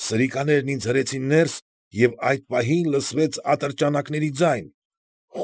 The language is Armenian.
Սրիկաներն ինձ հրեցին ներս, և այդ պահին լսվեց ատրճանակների ձայն։